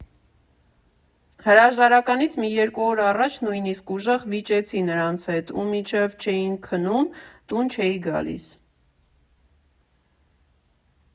Հրաժարականից մի երկու օր առաջ նույնիսկ ուժեղ վիճեցի նրանց հետ, ու մինչև չէին քնում՝ տուն չէի գալիս։